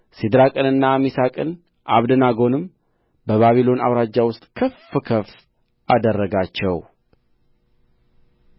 ሲድራቅንና ሚሳቅን አብደናጎንም በባቢሎን አውራጃ ውስጥ ከፍ ከፍ አደረጋቸው